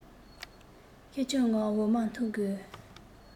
ཁེར རྐྱང ངང འོ མ འཐུང དགོས